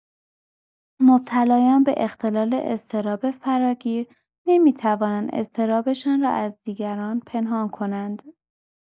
مبتلایان به اختلال اضطراب فراگیر نمی‌توانند اضطرابشان را از دیگران پنهان کنند.